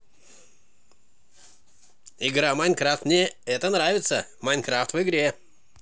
игра minecraft мне это нравится minecraft в игре